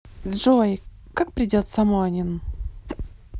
джой как придется morning